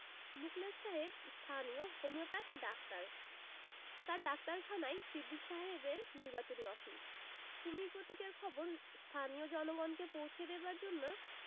মুখলেস সাহেব স্থানীয় homeopath doctor তাঁর ডাক্তারখানাই সিদ্দিক সাহেবের নির্বাচনী অফিস কুমীর প্রতীকের খবর স্থানীয় জনগণকে পৌঁছে দেবার জন্যে